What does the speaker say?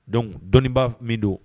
Donc dɔnnibaa min don